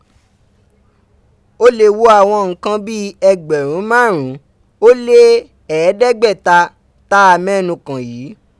Ó lè wo àwọn nǹkan bí ẹgbẹ̀rún márùn ún ó lé ẹ̀ẹ́dẹ́gbàáta tá a mẹ́nu kàn yìí.